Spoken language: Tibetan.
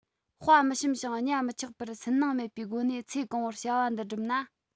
དཔའ མི ཞུམ ཞིང གཉའ མི ཆག པར སུན སྣང མེད པའི སྒོ ནས ཚེ གང བོར བྱ བ འདི བསྒྲུབས ན